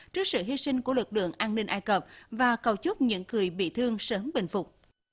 trước sự hy sinh của lực lượng an ninh ai cập và cầu chúc những người bị thương sớm bình phục